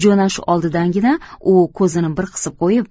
jo'nash oldidagina u ko'zini bir qisib qo'yib